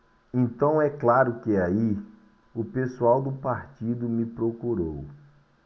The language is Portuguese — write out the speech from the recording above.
então é claro que aí o pessoal do partido me procurou